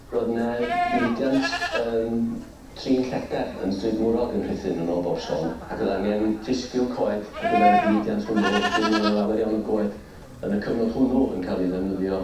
Ro'dd 'ne ddiwydiant yym trin lleder yn Stryd Mwrog yn Rhuthun yn ôl bob sôn ac o'dd angen rhisgyl coed ar gyfer y diwydiant hwnnw wedyn o' 'ne lawer iawn o goed yn y cyfnod hwnnw yn ca'l 'u ddefnyddio.